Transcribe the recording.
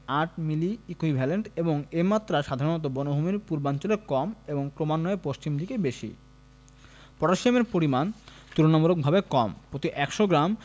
৮ milliequivalent এবং এ মাত্রা সাধারণত বনভূমির পূর্বাঞ্চলে কম এবং ক্রমান্বয়ে পশ্চিম দিকে বেশি পটাসিয়ামের পরিমাণ তুলনামূলকভাবে কম প্রতি ১০০ গ্রাম